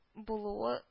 Булуы